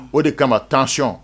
O de kama taacɔn